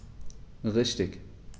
Richtig